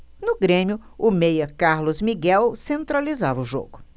no grêmio o meia carlos miguel centralizava o jogo